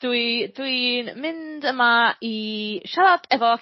...dwi dwi'n mynd yma i siarad efo...